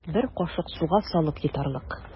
Бер кашык суга салып йотарлык.